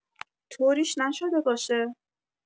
طوریش نشده باشه؟